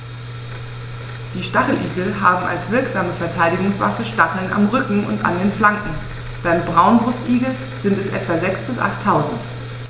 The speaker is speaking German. Die Stacheligel haben als wirksame Verteidigungswaffe Stacheln am Rücken und an den Flanken (beim Braunbrustigel sind es etwa sechs- bis achttausend).